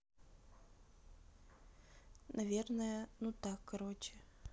наверное ну так короче